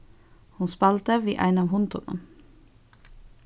hon spældi við ein av hundunum